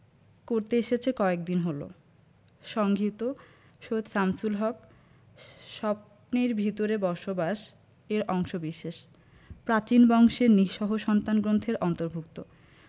করতে এসেছে কয়েকদিন হলো সংগৃহীত সৈয়দ শামসুল হক স্বপ্নের ভেতরে বসবাস এর অংশবিশেষ প্রাচীন বংশের নিঃস্ব সন্তান গ্রন্থের অন্তর্ভুক্ত